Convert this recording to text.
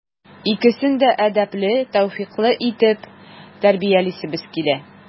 Икесен дә әдәпле, тәүфыйклы итеп тәрбиялисебез килә.